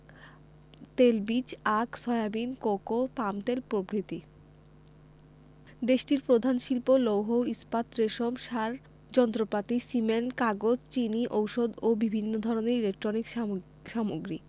তেলবীজ আখ soybean cocoa পামতেল প্রভৃতি দেশটির প্রধান শিল্প লৌহ ইস্পাত রেশম সার যন্ত্রপাতি সিমেন্ট কাগজ চিনি ঔষধ ও বিভিন্ন ধরনের ইলেকট্রনিক্স সামগ্রী